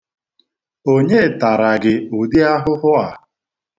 Onye tara gị ụdị ahụhụ a?